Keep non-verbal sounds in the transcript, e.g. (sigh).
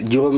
(hesitation) (hesitation)